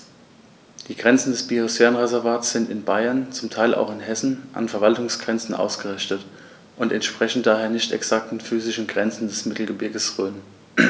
Die Grenzen des Biosphärenreservates sind in Bayern, zum Teil auch in Hessen, an Verwaltungsgrenzen ausgerichtet und entsprechen daher nicht exakten physischen Grenzen des Mittelgebirges Rhön.